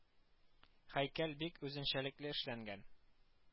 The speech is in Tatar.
Һәйкәл бик үзенчәлекле эшләнгән